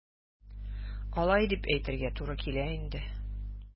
Алай дип әйтергә туры килә инде.